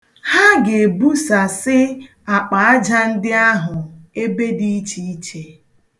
Ha ga-ebusasị akpa aja ndị ahụ ebe dị iche iche.